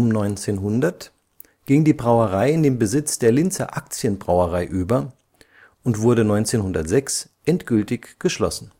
1900 ging die Brauerei in den Besitz der Linzer Aktienbrauerei über und wurde 1906 endgültig geschlossen